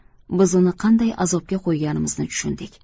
biz uni qanday azobga qo'yganimizni tushundik